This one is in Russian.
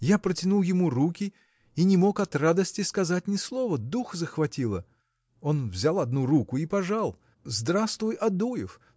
Я протянул ему руки и не мог от радости сказать ни слова дух захватило. Он взял одну руку и пожал. Здравствуй, Адуев!